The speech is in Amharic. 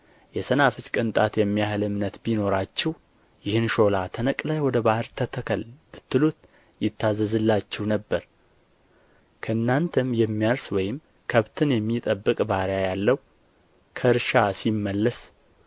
የሰናፍጭ ቅንጣት የሚያህል እምነት ቢኖራችሁ ይህን ሾላ ተነቅለህ ወደ ባሕር ተተከል ብትሉት ይታዘዝላችሁ ነበር ከእናንተም የሚያርስ ወይም ከብትን የሚጠብቅ ባሪያ ያለው ከእርሻ ሲመለስ